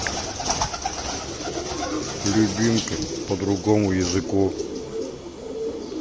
любимка по другому языку